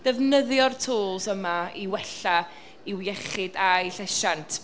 Defnyddio'r tŵls yma i wella i'w iechyd a'u llesiant.